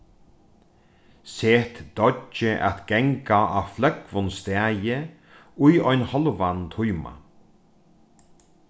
set deiggið at ganga á flógvum staði í ein hálvan tíma